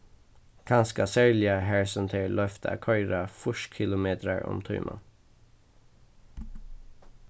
kanska serliga har sum tað er loyvt at koyra fýrs kilometrar um tíman